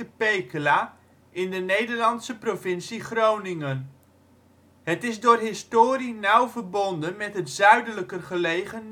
Pekela in de Nederlandse provincie Groningen. Het is door historie nauw verbonden met het zuidelijker gelegen